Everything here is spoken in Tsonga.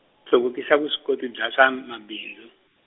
hluvukisa vuswikoti bya swa m- mabindzu.